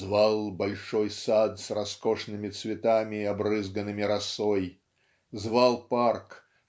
звал большой сад с роскошными цветами обрызганными росой звал парк